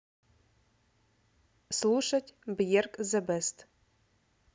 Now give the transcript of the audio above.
слушать бьерк зе бест